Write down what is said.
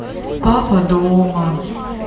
папа дома